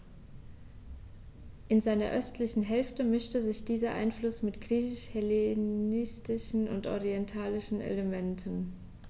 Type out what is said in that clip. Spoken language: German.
In seiner östlichen Hälfte mischte sich dieser Einfluss mit griechisch-hellenistischen und orientalischen Elementen.